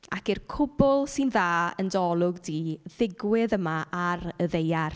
Ac i'r cwbl sy'n dda yn dy olwg di, ddigwydd yma ar y Ddaear.